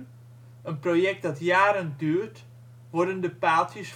project dat jaren duurt, worden de paaltjes